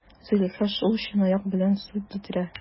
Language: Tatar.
Зөләйха шул чынаяк белән су китерә.